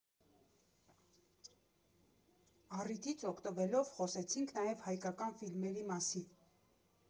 Առիթից օգտվելով՝ խոսեցինք նաև հայկական ֆիլմերի մասին։